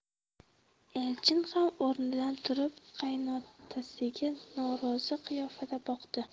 elchin ham o'rnidan turib qaynotasiga norozi qiyofada boqdi